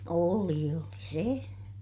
oli oli se